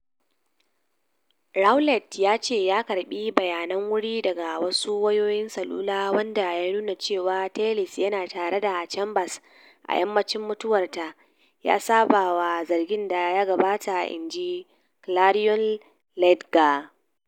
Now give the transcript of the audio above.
Rowlett ya ce ya karbi bayanan wuri daga wasu wayoyin salula wanda ya nuna cewa Tellis yana tare da Chambers a yammacin mutuwar ta, ya saba wa zargin da ya gabata, in ji Clarion Ledger.